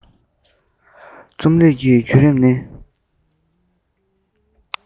རྩོམ རིག གི རྒྱུད རིམ ནི